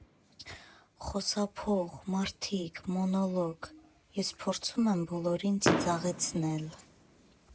Խոսափող, մարդիկ, մոնոլոգ, ես փորձում եմ բոլորին ծիծաղեցնել.